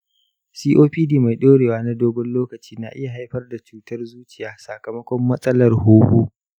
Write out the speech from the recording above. copd mai ɗorewa na dogon lokaci na iya haifar da cutar zuciya sakamakon matsalar huhu.